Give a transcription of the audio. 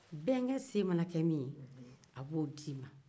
i bɛnkɛ se mana kɛ min ye a bɛ o di i ma